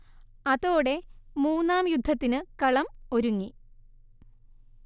അതോടെ മൂന്നാം യുദ്ധത്തിന് കളം ഒരുങ്ങി